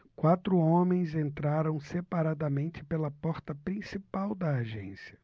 quatro homens entraram separadamente pela porta principal da agência